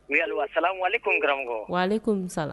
Oui allo, assalam aleyikum karamɔgɔ, wa aleyikum salam